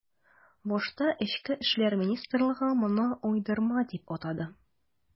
Башта эчке эшләр министрлыгы моны уйдырма дип атады.